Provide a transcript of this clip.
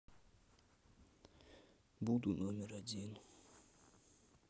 буду номер один